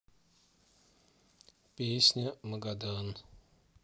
песня магадан